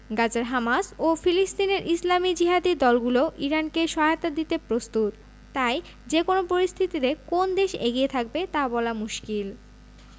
গাজার হামাস ও ফিলিস্তিনের ইসলামি জিহাদি দলগুলোও ইরানকে সহায়তা দিতে প্রস্তুত তাই যেকোনো পরিস্থিতিতে কোন দেশ এগিয়ে থাকবে তা বলা মুশকিল